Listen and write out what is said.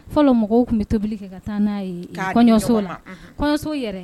Fɔlɔ mɔgɔw tun bɛ tobili kɛ, ka taa n'a ye ka kɔɲɔsow la kɔɲɔsow yɛrɛ